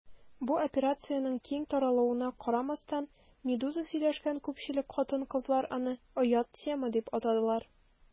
Бу операциянең киң таралуына карамастан, «Медуза» сөйләшкән күпчелек хатын-кызлар аны «оят тема» дип атадылар.